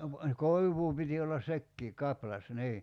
no koivua piti olla sekin kaplas niin